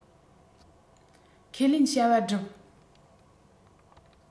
ཁས ལེན བྱ བ བསྒྲུབ